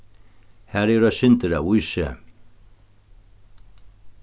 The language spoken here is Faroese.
har er eitt sindur av ísi